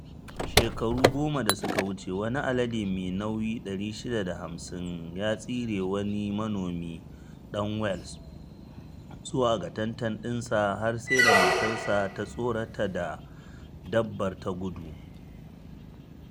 Shekaru goma da suka wuce, wani alade mai nauyi 650 ya tsire wani manomi dan Welsh zuwa ga tantan ɗinsa har sai da matarsa ta tsorata da dabbar ta gudu.